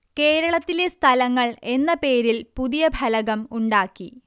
കേരളത്തിലെ സ്ഥലങ്ങൾ എന്ന പേരിൽപുതിയ ഫലകം ഉണ്ടാക്കി